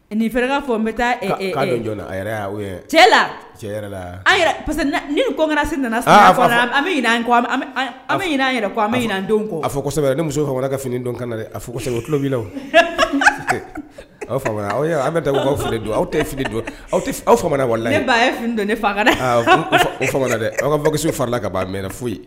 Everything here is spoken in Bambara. Ni fɛ k'a fɔ n bɛ taa' a cɛ la que ni konnasi nana sa bɛ an bɛan yɛrɛ an bɛ a fɔ ko kosɛbɛ ne muso faama ka fini don kan dɛ a ko tulolobilaw aw aw bɛ taa aw feere don aw tɛ fini don aw aw fa wari ba ye fini dɔn ne fa dɛ faama dɛ aw ka bakarijanso farila ka' mɛn foyi ye